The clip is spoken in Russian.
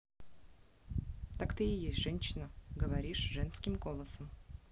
так ты и есть женщина говоришь женским голосом